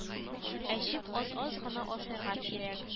Әчеп аз-аз гына ашырга кирәк